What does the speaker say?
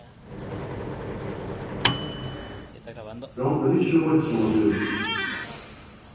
drongurin er ikki so býttur sum hann sær út